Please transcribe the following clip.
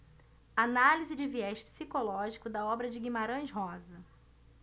análise de viés psicológico da obra de guimarães rosa